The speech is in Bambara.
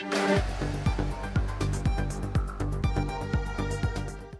San